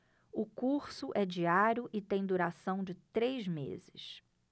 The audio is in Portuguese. o curso é diário e tem duração de três meses